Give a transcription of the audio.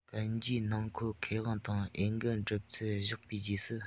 གན རྒྱའི ནང འཁོད ཁེ དབང དང འོས འགན སྒྲུབ མཚམས བཞག པའི རྗེས སུ